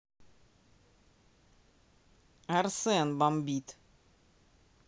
арсен бомбит